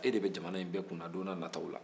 e de bɛ jamana in bɛɛ kunna don na nataw la